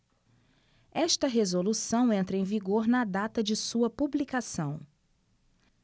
esta resolução entra em vigor na data de sua publicação